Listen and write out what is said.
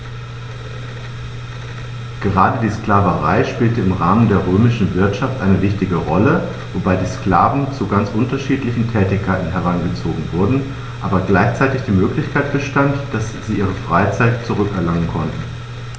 Gerade die Sklaverei spielte im Rahmen der römischen Wirtschaft eine wichtige Rolle, wobei die Sklaven zu ganz unterschiedlichen Tätigkeiten herangezogen wurden, aber gleichzeitig die Möglichkeit bestand, dass sie ihre Freiheit zurück erlangen konnten.